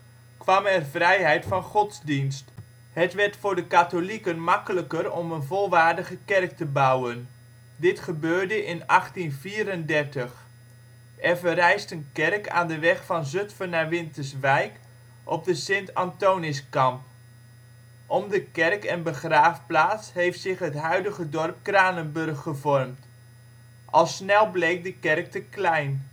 kwam er vrijheid van godsdienst. Het werd voor de katholieken makkelijker om een volwaardige kerk te bouwen. Dit gebeurde in 1834. Er verrijst een kerk aan de weg van Zutphen naar Winterswijk op de St. Anthoniskamp. Om de kerk en begraafplaats heeft zich het huidige dorp Kranenburg gevormd. Al snel bleek de kerk te klein